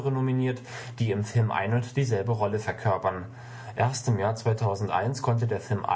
nominiert, die im Film ein und die selbe Rolle verkörpern. Erst im Jahr 2001 konnte der Film